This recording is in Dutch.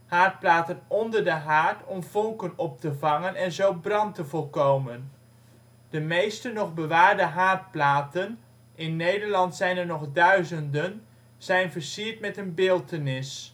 haardplaten onder de haard om vonken op te vangen en zo brand te voorkomen. De meeste nog bewaarde haardplaten - in Nederland zijn er nog duizenden - zijn versierd met een beeltenis